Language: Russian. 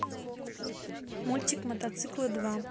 мультик мотоциклы два